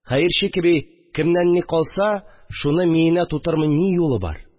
Хәерче кеби, кемнән ни калса шуны миенә тутырмый ни юлы бар